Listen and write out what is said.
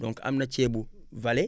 donc am na ceebu valée